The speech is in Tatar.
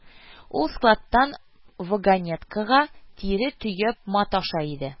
Ул складтан вагонеткага тире төяп маташа иде